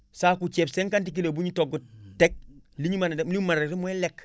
saako ceen 50 kilos bu ñu togg teg li ñu mën a def lim mën a def mooy lekk